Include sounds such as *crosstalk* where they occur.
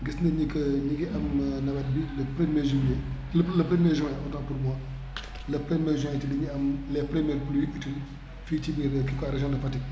gis nañ nii que ñu ngi am *hesitation* nawet bi le premier juillet le le premier juin autant pour moi *noise* le premier juin ci la ñu am les premiers pluies utiles fii ci biir en tout cas région de Fatick